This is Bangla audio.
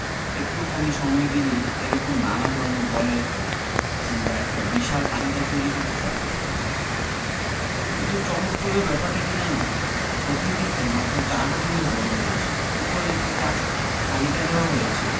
একটুখানি সময় দিলেই এ রকম নানা ধরনের বলের তোমরা একটা বিশাল তালিকা তৈরি করতে পারবে কিন্তু চমকপ্রদ ব্যাপারটি কী জানো প্রকৃতিতে মাত্র চার রকমের বল রয়েছে ওপরে যে তালিকা দেওয়া হয়েছে